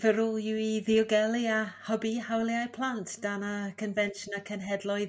fy rôl i i'w i ddiogelu a hybi hawliau plant dan y Confensiynau Cenhedloedd